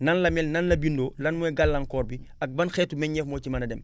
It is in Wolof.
nan la mel nan la bindoo lan mooy gàllankoor bi ak ban xeetu meññeef moo ci mën a dem